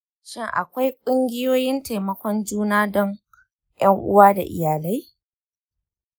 shin akwai ƙungiyoyin taimakon juna don ƴan uwa da iyalai?